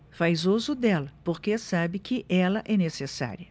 faz uso dela porque sabe que ela é necessária